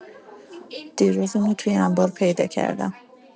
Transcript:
دیروز اونو توی انبار پیدا کردم.